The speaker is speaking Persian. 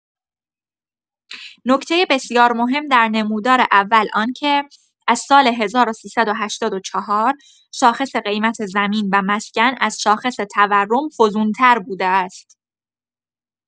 نکته بسیار مهم در نمودار اول آنکه، از سال ۱۳۸۴، شاخص قیمت زمین و مسکن از شاخص تورم فزون‌تر بوده است.